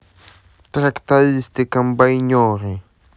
трактористы комбайнеры